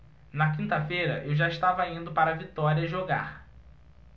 na quinta-feira eu já estava indo para vitória jogar